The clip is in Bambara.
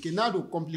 Qui n'a le complique